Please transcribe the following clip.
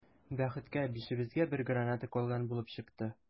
Бәхеткә, бишебезгә бер граната калган булып чыкты.